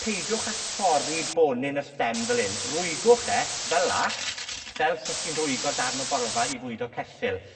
peidiwch â thorri bonyn y stem fel 'yn. Rwygwch e, fela, fel sech chi'n rwygo darn o borfa i fwydo ceffyl.